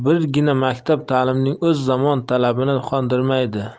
ta'limining o'zi zamon talabini qondirmaydi